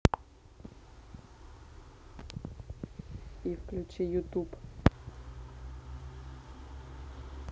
и включи ютуб